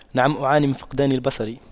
نعم أعاني من فقدان البصر